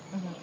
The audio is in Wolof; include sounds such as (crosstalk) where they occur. (hesitation) (hesitation)